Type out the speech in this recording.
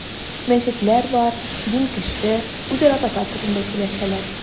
Мәчетләр бар, дин көчле, үзара татар телендә сөйләшәләр.